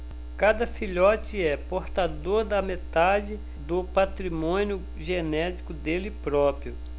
cada filhote é portador da metade do patrimônio genético dele próprio